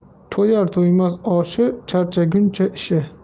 to'yar to'ymas oshi charchaguncha ishi